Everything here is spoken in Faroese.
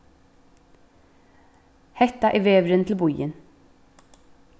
hetta er vegurin til býin